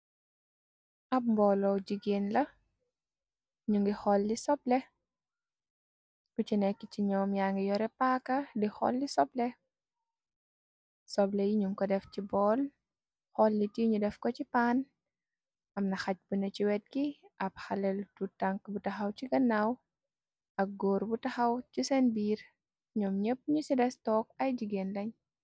ab mbooloo jigeen la ñu ngi xool li soble bu ci nekki ci ñoom yaa ngi yore paaka di xool di sople soble yi ñu ko def ci bool xool litiñu def ko ci paan amna xaj bi na ci wet gi ab xalelu tu tank bu taxaw ci ganaaw ak góor bu taxaw ci seen biir ñoom ñepp ñu ci des took ay jigeen lañ.